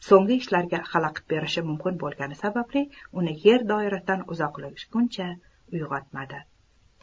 so'nggi ishlarga xalaqit berishi mumkin bo'lgani sababli uni yer doirasidan uzoqlashgunlaricha uyg'otmadi